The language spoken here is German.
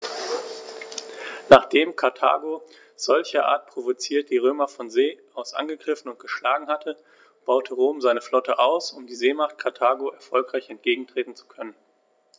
Nachdem Karthago, solcherart provoziert, die Römer von See aus angegriffen und geschlagen hatte, baute Rom seine Flotte aus, um der Seemacht Karthago erfolgreich entgegentreten zu können.